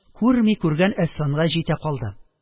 Күрми күргән әсфанга җитә калды